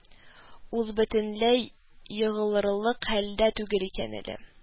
Ул бөтенләй егылырлык хәлдә түгел икән әле